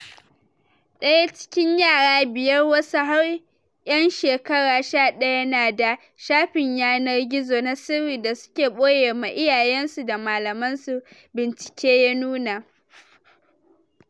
Daya cikin yara biyar - wasu har yan shekara 11 - na da shafin yanar gizo na sirri da suke boyema iyayen su da malaman su, bincike ya nuna